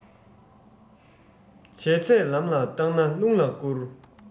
བྱས ཚད ལམ ལ བཏང ན རླུང ལ བསྐུར